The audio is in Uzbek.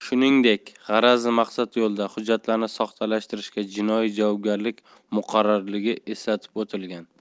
shuningdek g'arazli maqsad yo'lida hujjatlarni soxtalashtirishga jinoiy javobgarlik muqarrarligi eslatib o'tilgan